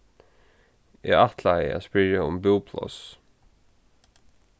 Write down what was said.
eg ætlaði at spyrja um búpláss